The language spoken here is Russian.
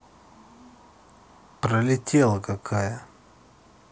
пролетела какая